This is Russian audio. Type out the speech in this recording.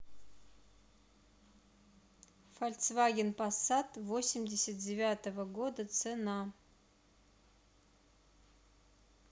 фольксваген пассат восемьдесят девятого года цена